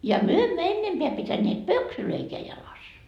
ja me emme ennempää pitäneet pöksyjäkään jalassa